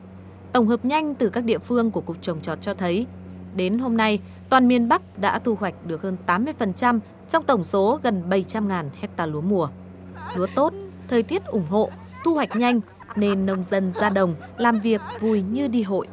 tổng hợp nhanh từ các địa phương của cục trồng trọt cho thấy đến hôm nay toàn miền bắc đã thu hoạch được hơn tám mươi phần trăm trong tổng số gần bảy trăm ngàn hecta lúa mùa lúa tốt thời tiết ủng hộ thu hoạch nhanh nên nông dân ra đồng làm việc vui như đi hội